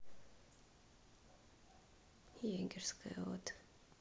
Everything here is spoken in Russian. егерская вот